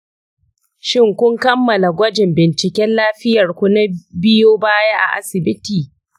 shin kun kammala gwajin binciken lafiyar ku na biyo baya a asibiti?